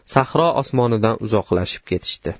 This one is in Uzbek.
sahro osmonidan uzokdashib ketishdi